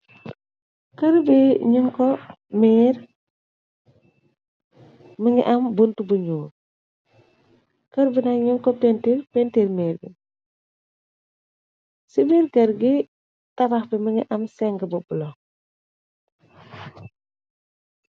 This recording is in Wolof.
Kërr bi ñyung ko miir mi ngi am bunt bu ñuur kër bi nak ñun ko pentir pentir miir bi ci miir kër gi tabax bi mi ngi am sénge bu bola.